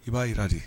I b'a jira de